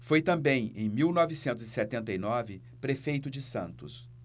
foi também em mil novecentos e setenta e nove prefeito de santos